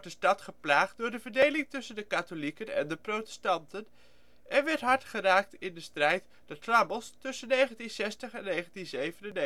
stad geplaagd door de verdeling tussen de katholieken en de protestanten, en werd hard geraakt in de strijd (The Troubles) tussen 1960 en 1997